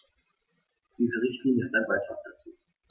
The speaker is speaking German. Diese Richtlinie ist ein Beitrag dazu.